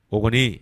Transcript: O